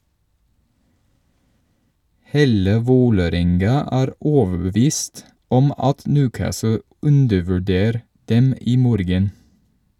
Hele Vålerenga er overbevist om at Newcastle undervurder dem i morgen.